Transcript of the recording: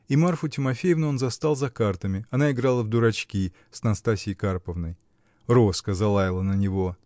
И Марфу Тимофеевну он застал за картами: она играла в дурачки с Настасьей Карповной. Роска залаяла на него